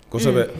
Kosɛbɛ